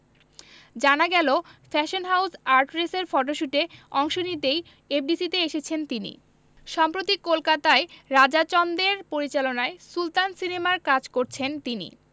জানা গেল fashion house আর্টরেসের ফটশুটে অংশ নিতেই এফডিসিতে এসেছেন তিনি সম্প্রতি কলকাতায় রাজা চন্দের পরিচালনায় সুলতান সিনেমার কাজ করেছেন তিনি